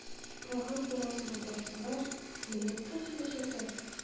Тагын бераз гына барсалар, менеп тә җитәчәкләр!